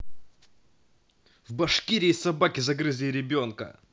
в башкирии собаки загрызли ребенка